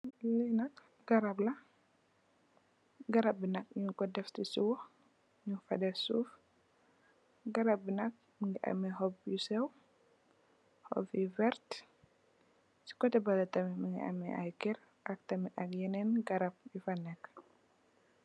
Lenak garapla. garap bi nak ngu ko def si suf garabinak mu nge ameh hop yu verter si koteh bele tamit munge ameh ai kerr ak yenen garap yu fa neka.